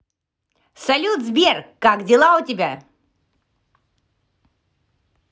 салют сбер как дела у тебя